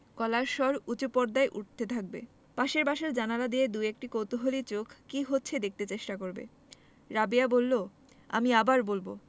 গলার স্বর উচু পর্দায় উঠতে থাকবে পাশের বাসার জানালা দিয়ে দুএকটি কৌতুহলী চোখ কি হচ্ছে দেখতে চেষ্টা করবে রাবেয়া বললো আমি আবার বলবো